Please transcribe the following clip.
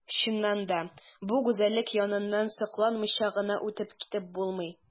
Чыннан да бу гүзәллек яныннан сокланмыйча гына үтеп китеп булмый.